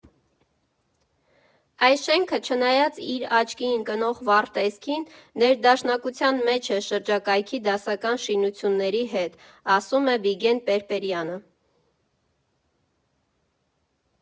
«Այս շենքը, չնայած իր աչքի ընկնող վառ տեսքին, ներդաշնակության մեջ է շրջակայքի դասական շինությունների հետ», ֊ ասում է Վիգէն Պէրպէրեանը։